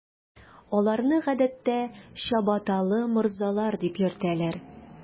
Аларны, гадәттә, “чабаталы морзалар” дип йөртәләр.